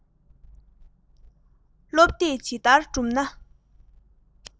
བསླབ དེབ ཇི ལྟར བསྒྲུབ ན